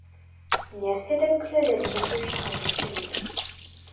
Нәрсәдән көләләр икән шушы хәтле чын итеп?